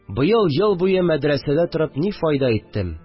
Быел ел буе мәдрәсәдә торып ни файда иттем